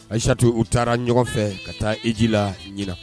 Ayisato u taara ɲɔgɔn fɛ ka taa eji la ɲin